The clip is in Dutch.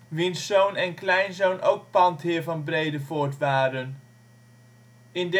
wiens zoon en kleinzoon ook pandheer van Bredevoort waren. In